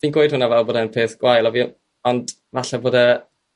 fi'n gweud hwnna fel bod e'n peth gwael a fi... ond falle bod e